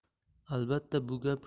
albatta bu gap